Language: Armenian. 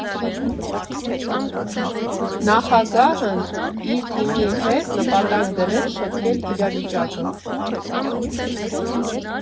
Նախագահն իր թիմի հետ նպատակ դրեց շտկել իրավիճակը։